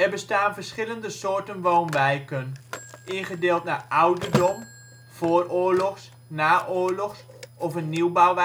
bestaan verschillende soorten woonwijken: Ingedeeld naar ouderdom Vooroorlogs Naoorlogs Nieuwbouw